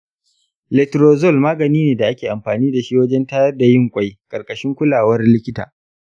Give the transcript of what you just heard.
letrozole magani ne da ake amfani da shi wajen tayar da yin ƙwai ƙarƙashin kulawar likita.